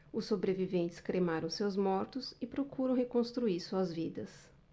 os sobreviventes cremaram seus mortos e procuram reconstruir suas vidas